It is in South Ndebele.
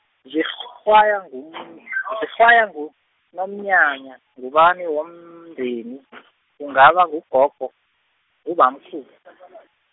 zirhwaywa ngu , zirhwaywa ngunanyana, ngubani womndeni , kungaba ngugogo, ubamkhu-.